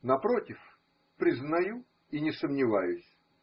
Напротив, признаю и не сомневаюсь.